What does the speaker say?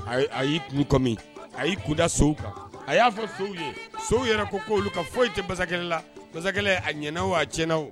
A ye a y'i kun kɔmi a y'i kunda sow kan a y'a fɔ sow ye sow yɛrɛ ko k'olu ka foyi te basakɛlɛ la basakɛlɛɛ a ɲɛna o a tiɲɛna o